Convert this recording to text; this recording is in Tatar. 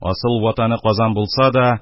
Асыл ватаны казан булса да,